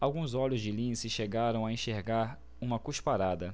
alguns olhos de lince chegaram a enxergar uma cusparada